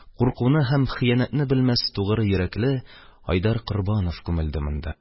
Куркуны һәм хыянәтне белмәс тугры йөрәкле айдар корбанов күмелде монда.